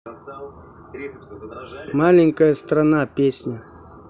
маленькая страна песня